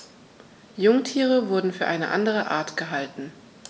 Jungtiere wurden für eine andere Art gehalten.